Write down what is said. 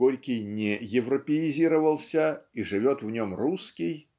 Горький не европеизировался и живет в нем русский